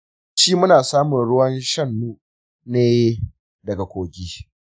yawanci muna samun ruwan shanmu ne daga kogi.